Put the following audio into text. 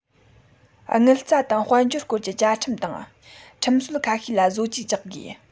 དངུལ རྩ དང དཔལ འབྱོར སྐོར གྱི བཅའ ཁྲིམས དང ཁྲིམས སྲོལ ཁ ཤས ལ བཟོ བཅོས རྒྱག དགོས